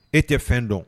E tɛ fɛn dɔn.